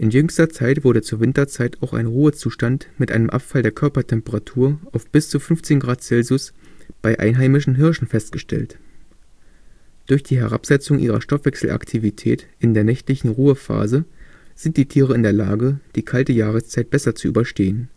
jüngster Zeit wurde zur Winterzeit auch ein Ruhezustand mit einem Abfall der Körpertemperatur auf bis zu 15 Grad Celsius bei einheimischen Hirschen festgestellt. Durch die Herabsetzung ihrer Stoffwechselaktivität in der nächtlichen Ruhephase sind die Tiere in der Lage, die kalte Jahreszeit besser zu überstehen